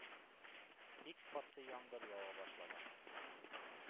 Бик каты яңгыр ява башлаган.